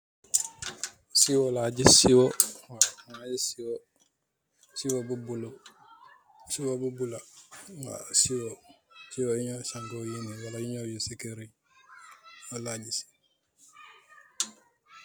Siwo la gis siwo, ay siwo, siwo bu blue.